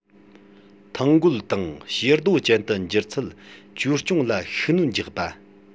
ཐང རྒོད དང བྱེ རྡོ ཅན དུ འགྱུར ཚུལ བཅོས སྐྱོང ལ ཤུགས སྣོན རྒྱག པ